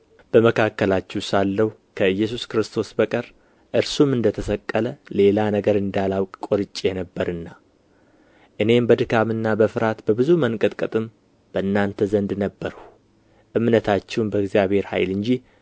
በመካከላችሁ ሳለሁ ከኢየሱስ ክርስቶስ በቀር እርሱም እንደተሰቀለ ሌላ ነገር እንዳላውቅ ቆርጬ ነበርና እኔም በድካምና በፍርሃት በብዙ መንቀጥቀጥም በእናንተ ዘንድ ነበርሁ እምነታችሁም በእግዚአብሔር ኃይል እንጂ